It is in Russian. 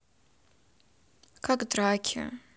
как драки